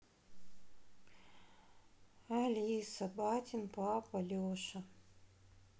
алиса батин папа леша